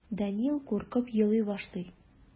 Данил куркып елый башлый.